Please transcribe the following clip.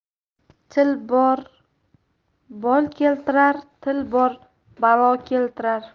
til bor bol keltirar til bor balo keltirar